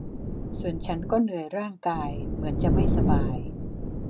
ส่วนฉันก็เหนื่อยร่างกายเหมือนจะไม่สบาย